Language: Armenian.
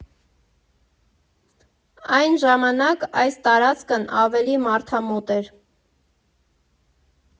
Այն ժամանակ այս տարածքն ավելի մարդամոտ էր։